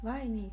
vai niin